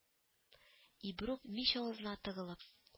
Ибрук, мич авызына тыгылып: